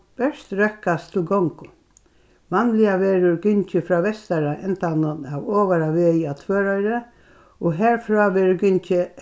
bert røkkast til gongu vanliga verður gingið frá vestara endanum av ovara vegi á tvøroyri og harfrá verður gingið